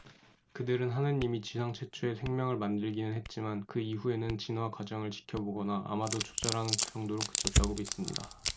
그들은 하느님이 지상 최초의 생명을 만들기는 했지만 그 이후에는 진화 과정을 지켜보거나 아마도 조절하는 정도로 그쳤다고 믿습니다